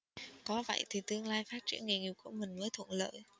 có vậy thì tương lai phát triển nghề nghiệp của mình mới thuận lợi